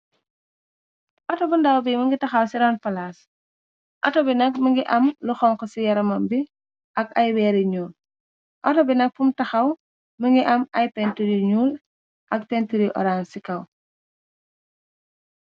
Auto bu ndaw bi mu ngi tahaw ci run palaac, auto bi nak mu ngi am lu honku ci yaraman bi ak ay wéeri yu ñuul. Auto bi nak fum tahaw mu ngi am ay pentir yu ñuul ak pentir yu orange ci kaw.